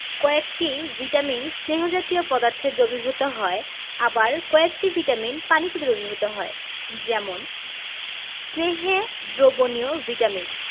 কয়েকটি ভিটামিন স্নেহ জাতীয় পদার্থে দ্রবীভূত হয় আবার কয়েকটি ভিটামিন পানিতে দ্রবীভূত হয় যেমন স্নেহে দ্রবণীয় ভিটামিন